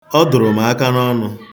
Ọ dụrụ m aka n'ọnụ.